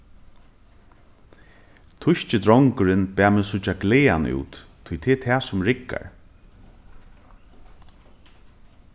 týski drongurin bað meg síggja glaðan út tí tað er tað sum riggar